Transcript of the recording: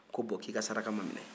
ko bɔn ko i ka saraka ma minɛ